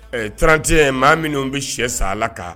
Tranti maa minnu bɛ shɛ san a la kan